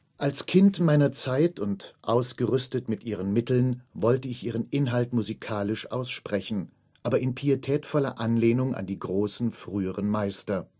Als Kind meiner Zeit und ausgerüstet mit ihren Mitteln, wollte ich ihren Inhalt musikalisch aussprechen, aber in pietätvoller Anlehnung an die großen früheren Meister